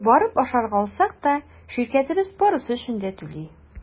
Барып ашарга алсак та – ширкәтебез барысы өчен дә түли.